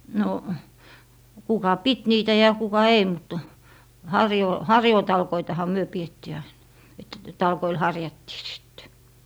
no kuka piti niitä ja kuka ei mutta - harjuutalkoitahan me pidettiin aina että talkoilla harjattiin sitten